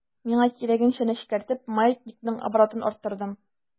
Миңа кирәгенчә нечкәртеп, маятникның оборотын арттырдым.